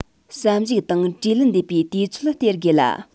བསམ གཞིག དང དྲིས ལན འདེབས པའི དུས ཚོད སྟེར དགོས ལ